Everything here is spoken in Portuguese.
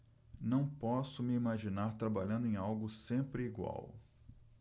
não posso me imaginar trabalhando em algo sempre igual